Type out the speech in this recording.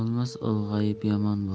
bo'lmas ulg'ayib yomon bo'lar